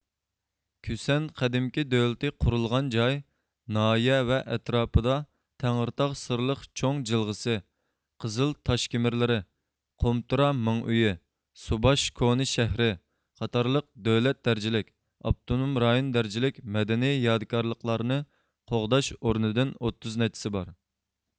كۈسەن قەدىمكى دۆلىتى قۇرۇلغان جاي ناھىيە ۋە ئەتراپىدا تەڭرىتاغ سىرلىق چوڭ جىلغىسى قىزىل تاشكېمىرلىرى قۇمتۇرا مېڭئۆيى سۇباش كونا شەھىرى قاتارلىق دۆلەت دەرىجىلىك ئاپتونوم رايون دەرىجىلىك مەدەنىي يادىكارلىقلارنى قوغداش ئورنىدىن ئوتتۇز نەچچىسى بار